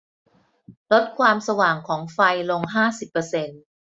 ลดความสว่างของไฟลงห้าสิบเปอร์เซ็นต์